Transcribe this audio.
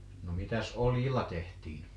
no mitäs oljilla tehtiin